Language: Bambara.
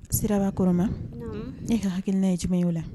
Siraba Kɔrɔma, naamu, e ka hakilina ye jumɛn o la